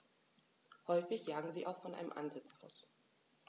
Häufig jagen sie auch von einem Ansitz aus.